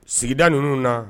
Sigida ninnu na